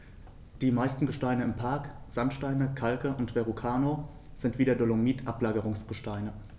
Die meisten Gesteine im Park – Sandsteine, Kalke und Verrucano – sind wie der Dolomit Ablagerungsgesteine.